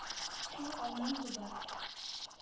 Шул ук авылның клубы.